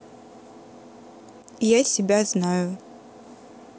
я себя знаю